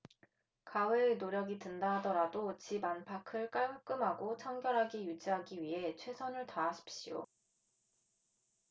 가외의 노력이 든다 하더라도 집 안팎을 깔끔하고 청결하게 유지하기 위해 최선을 다하십시오